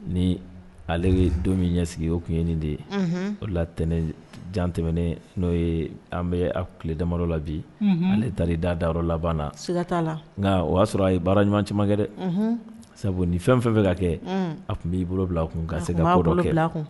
Ni ale ye don min ɲɛ sigi o tun ye nin de ye o laten jan tɛmɛnen n'o ye an bɛ tile damama la bi ale da da dayɔrɔ laban la nka o y'a sɔrɔ a ye baara ɲuman camankɛ dɛ sabu ni fɛn fɛn fɛ ka kɛ a tun b'i bolo bila kun ka se ka bɔ dɔ kɛ la